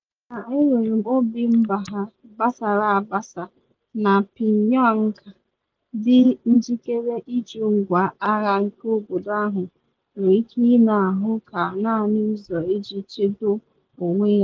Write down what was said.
Mana enwere obi mgbagha gbasara agbasa na Pyongyang dị njikere ịjụ ngwa agha nke obodo ahụ nwere ike ị na ahụ ka naanị ụzọ iji chedo onwe ya.